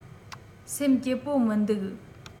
སེམས སྐྱིད པོ མི འདུག